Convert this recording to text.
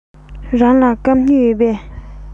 རང ལ སྐམ སྨྱུག ཡོད པས